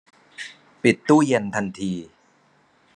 ปิดตู้เย็นทันที